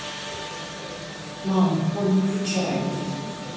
мама он не включает мне